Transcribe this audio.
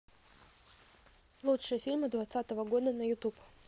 лучшие фильмы двадцатого года на ютуб